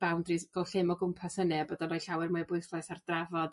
boundaries go llym o gwmpas hynny a bod o'n rhoi llawer mwy o bwyslais ar drafod